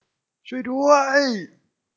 ช่วยด้วย